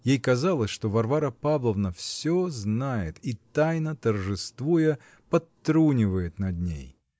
Ей казалось, что Варвара Павловна все знает и, тайно торжествуя, подтрунивает над ней.